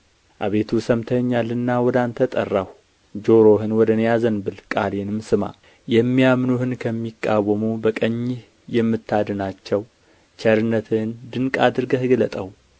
አቤቱ ሰምተኸኛልና ወደ አንተ ጠራሁ ጆሮህን ወደ እኔ አዘንብል ቃሌንም ስማ የሚያምኑህን ከሚቃወሙ በቀኝህ የምታድናቸው ቸርነትህን ድንቅ አድርገህ ግለጠው